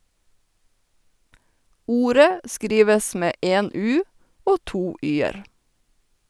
Ordet skrives med én "u" og to "y"-er.